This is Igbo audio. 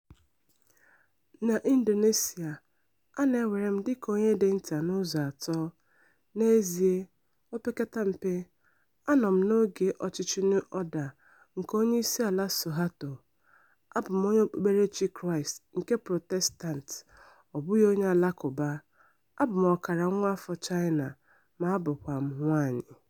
N'Indonesia, a na-ewere m dịka onye dị nta n'ụzọ atọ - n'ezie, opekata mpe, anọ m n'oge ọchịchị New Order nke Onyeisiala Suharto: Abụ m onye Okpukperechi Kraịst nke Protestant, ọ bụghị onye Alakụba, abụ m ọkara nwaafọ China, ma abụkwa m nwaanyị.